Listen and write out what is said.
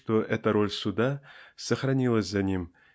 что эта роль суда сохранилась за ним